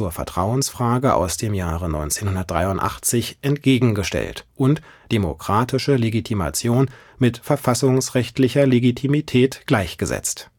Vertrauensfrage aus dem Jahr 1983 entgegengestellt und demokratische Legitimation mit verfassungsrechtlicher Legitimität gleichgesetzt